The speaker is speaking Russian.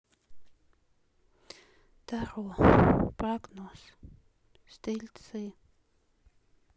таро прогноз стрельцы